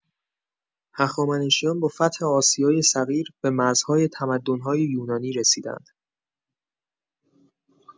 هخامنشیان با فتح آسیای صغیر، به مرزهای تمدن‌های یونانی رسیدند.